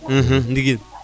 ndigil